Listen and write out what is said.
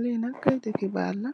Lii nak kayiti xibaar la,